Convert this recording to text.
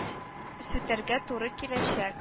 Сүтәргә туры киләчәк